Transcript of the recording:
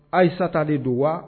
Ayisata de don wa